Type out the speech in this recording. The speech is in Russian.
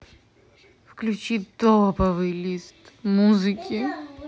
включи топовый лист музыки